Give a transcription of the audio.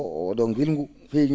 oo ?oo ngilngu feeñii